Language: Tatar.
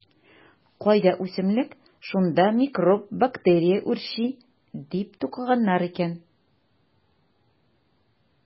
Кайда үсемлек - шунда микроб-бактерия үрчи, - дип тукыганнар икән.